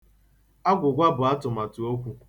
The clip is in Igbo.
Agwụgwa bụ atụmatụ okwu.